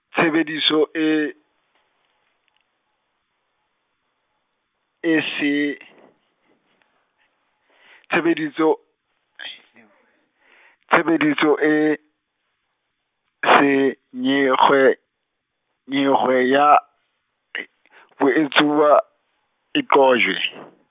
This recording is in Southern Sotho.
tshebediso e , e se- , tshebediso , tshebediso e, senyekgenyekge ya , boetsuwa, e qojwe.